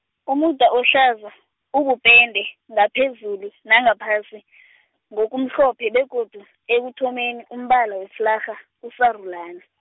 umuda ohlaza, ubupente ngaphezulu nangaphasi , ngokumhlophe begodu ekuthomeni umbala weflarha usarulani.